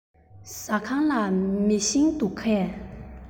ཟ ཁང ལ མེ ཤིང འདུག གས